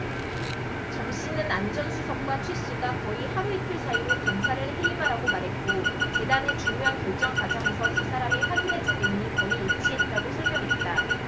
정씨는 안 전 수석과 최씨가 거의 하루이틀 사이로 감사를 해임하라고 말했고 재단의 중요한 결정 과정에서 두 사람이 확인해준 내용이 거의 일치했다고 설명했다